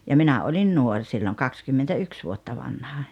ja minä olin nuori silloin kaksikymmentäyksi vuotta vanha